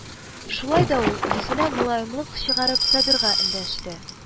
Шулай да ул, йөзенә мөлаемлык чыгарып, Сабирга эндәште: